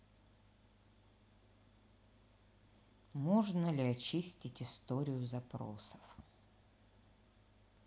можно ли очистить историю запросов